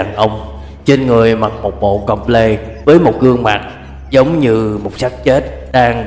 đàn ông trên người mặc một bộ veston với một gương mặt giống như một xác chết đang bị phân hủy